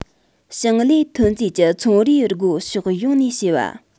ཞིང ལས ཐོན རྫས ཀྱི ཚོང རའི སྒོ ཕྱོགས ཡོངས ནས ཕྱེ བ